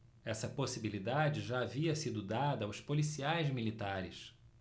essa possibilidade já havia sido dada aos policiais militares